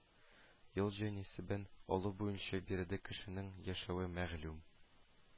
Ел җанисәбен алу буенча биредә кешенең яшәве мәгълүм